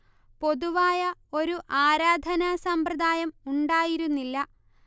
പൊതുവായ ഒരു ആരാധനാ സമ്പ്രദായം ഉണ്ടായിരുന്നില്ല